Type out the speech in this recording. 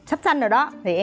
sắp sanh rồi đó thì